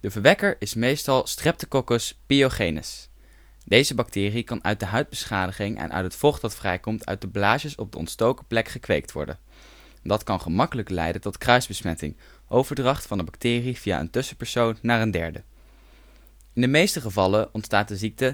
verwekker is meestal Streptococcus pyogenes. Deze bacterie kan uit de huidbeschadiging en uit het vocht dat vrij komt uit de blaasjes op de ontstoken plek gekweekt worden. Dat kan gemakkelijk leiden tot kruisbesmetting, overdracht van de bacterie via een tussenpersoon naar een derde. In de meeste gevallen ontstaat de ziekte